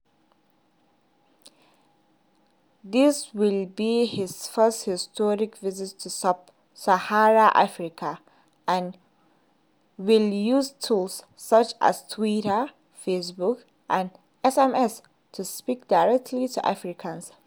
This will be his first historic visit to Sub-Saharan Africa and will use tools such as Twitter, Facebook and SMS to speak directly to Africans.